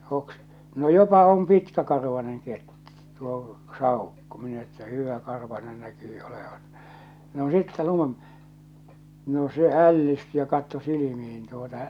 - no jopa on pitkäkarvainen - tuo saukko minä että hyväkarvainen näkyy olevan no sitten - no se ällistyi ja katsoi silmiin tuota